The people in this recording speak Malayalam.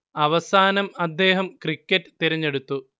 അവസാനം അദ്ദേഹം ക്രിക്കറ്റ് തിരെഞ്ഞെടുത്തു